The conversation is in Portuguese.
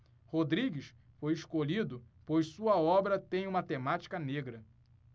rodrigues foi escolhido pois sua obra tem uma temática negra